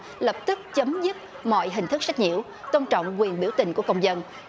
lập tức chấm dứt mọi hình thức sách nhiễu tôn trọng quyền biểu tình của công dân